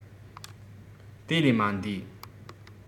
དེ ལས མ འདས